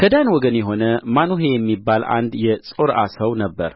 ከዳን ወገን የሆነ ማኑሄ የሚባል አንድ የጾርዓ ሰው ነበረ